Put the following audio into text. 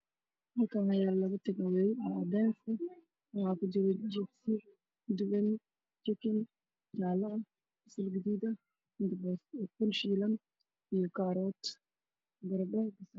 Halkaan waxaa yaalo labo tag away ah waxaa kujiro jikin duban oo jaale ah, basal gaduud, bur shiilan iyo kaarooto.